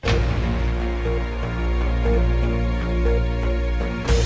music